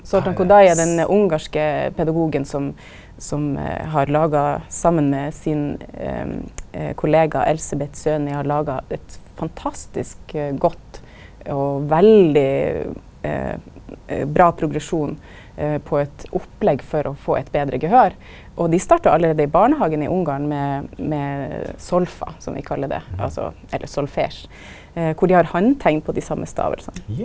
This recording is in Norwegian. Zoltan Kodaly er den ungarske pedagogen som som har laga saman med sin kollega Elsebeth har laga eit fantastisk godt og veldig bra progresjon på eit opplegg for å få eit betre gehør, og dei starta allereie i barnehagen i Ungarn med med solfege som vi kallar det altså eller solfege kor dei har handteikn på dei same stavingane.